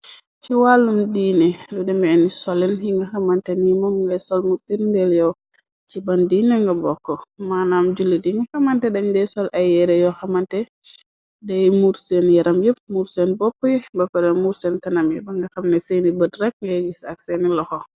Ci wàllum diine lu demeeni solin hi nga xamante ni moon ngay sol. Mu firndeel yew ci ban diine nga bokk. Maanaam julle diini xamante dañ dey sol ay yeere yoo xamante dey muur seen yaram yépp. Muur seen bopp bapare muur seen tanami ba nga xamne seeni bët rekk ngay gis ak seeni loxo.